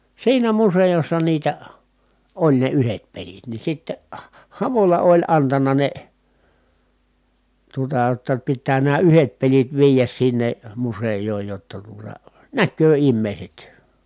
siinä museossa niitä oli ne yhdet pelit niin sitten Havola oli antanut ne tuotaa jotta pitää nämä yhdet pelit viedä sinne museoon jotta tuota näkee ihmiset